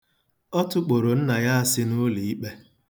Ọ tụkporo nna ya asị n'ụlọikpe.